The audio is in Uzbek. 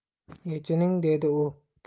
yechining dedi u kattakon